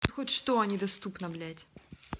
а тут хоть что они доступно блядь